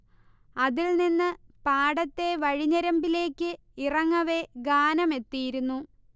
അതിൽ നിന്ന് പാടത്തെ വഴിഞരമ്പിലേക്ക് ഇറങ്ങവെ ഗാനമെത്തിയിരുന്നു